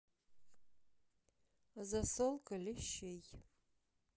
засолка лещей